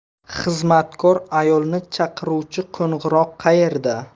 xizmatkor ayolni chaqiruvchi qo'ngiroq qayerda